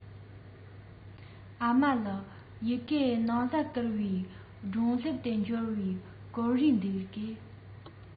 ཨ མ ལགས ཡི གེ ནང ཟླ བའི བསྐུར བའི སྒྲུང དེབ དེ འབྱོར བའི སྐོར བྲིས འདུག གས